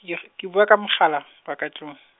ke g-, ke bua ka mogala, wa ka tlung.